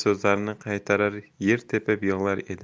so'zlarni qaytarar yer tepinib yig'lar edim